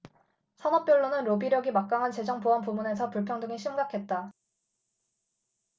산업별로는 로비력이 막강한 재정 보험 부문에서 불평등이 심각했다